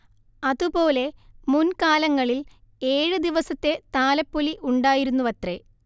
അതുപോലെ മുൻ കാലങ്ങളിൽ ഏഴ് ദിവസത്തെ താലപ്പൊലി ഉണ്ടായിരുന്നുവത്രെ